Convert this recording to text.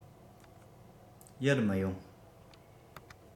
ཡར མི ཡོང